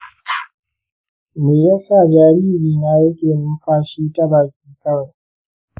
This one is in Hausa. me ya sa jaririna yake numfashi ta baki kawai?